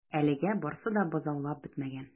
Әлегә барысы да бозаулап бетмәгән.